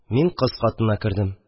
Мин кыз катына кердем